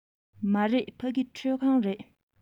མ རེད ཕ གི ཁྲུད ཁང རེད